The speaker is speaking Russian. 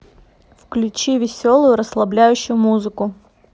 включи веселую расслабляющую музыку